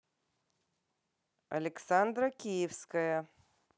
александра киевская